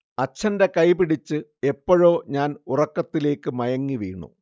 അച്ഛന്റെ കൈപിടിച്ച് എപ്പോഴോ ഞാൻ ഉറക്കത്തിലേക്കു മയങ്ങിവീണു